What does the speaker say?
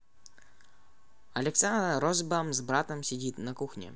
александр розенбаум с братаном сидим на кухне